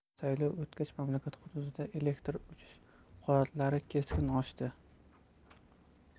saylov o'tgach mamlakat hududida elektr o'chish holatlari keskin oshdi